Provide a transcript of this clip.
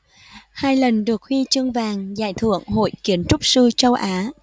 hai lần được huy chương vàng giải thưởng hội kiến trúc sư châu á